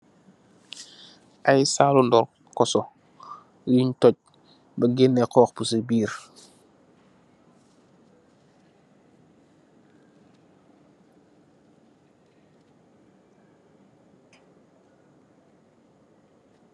Ay daali ndarkoso, yuñg tooge, ba gëëne xoox ba CA biir.